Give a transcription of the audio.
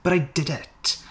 But i did it!